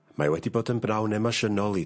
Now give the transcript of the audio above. Mae wedi bod yn bnawn emosiynol i...